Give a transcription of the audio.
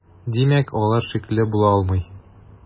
Димәк, алар шикле була алмый.